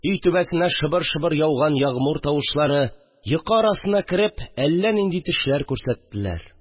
Өй түбәсенә шыбыр-шыбыр яуган ягмуръ тавышлары йокы арасына кереп, әллә нинди төшләр күрсәттеләр